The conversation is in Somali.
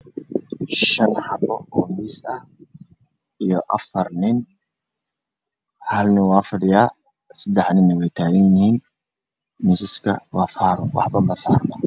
Shan xabo oo miis ah iyo afar nin hal nin waa fadhiyaa sedax nina wey taganyihiin miisaska waa faaruq waxba ma saarno